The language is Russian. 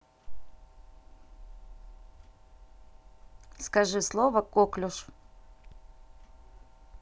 скажи слово коклюш